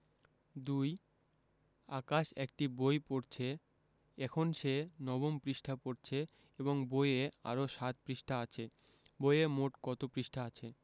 ২ আকাশ একটি বই পড়ছে এখন সে নবম পৃষ্ঠা পড়ছে এবং বইয়ে আরও ৭ পৃষ্ঠা আছে বইয়ে মোট কত পৃষ্ঠা আছে